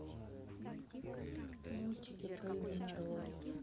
мультики про единороги